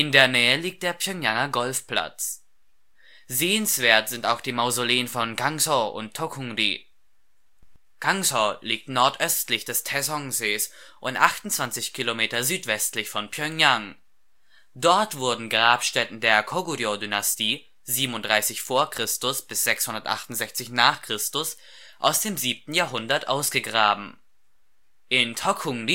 der Nähe liegt der Pjöngjanger Golfplatz. Sehenswert sind auch die Mausoleen von Kangso und Tokhung-ri. Kangso liegt nordöstlich des Taesong-Sees und 28 Kilometer südwestlich von Pjöngjang. Dort wurden Grabstätten der Goguryeo-Dynastie (37 v. Chr.-668 n. Chr.) aus dem 7. Jahrhundert ausgegraben. In Tokhung-ri